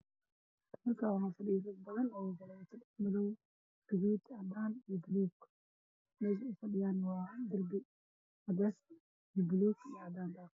Waa masaajid waxaa joogo dad fara badan oo fadhiyaan cunnimo iyo ilmo isugu jiraan